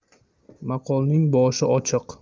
maqolning boshi ochiq